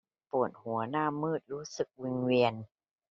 ปวดหัวหน้ามืดรู้สึกวิงเวียน